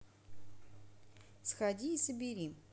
сходи и собери